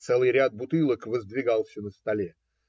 Целый ряд бутылок воздвигался на столе.